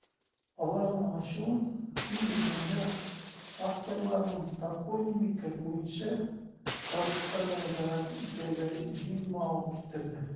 Аларның ачуын, ким дигәндә, авторларның топонимика буенча советка мөрәҗәгать итәргә җыенмавы китерде.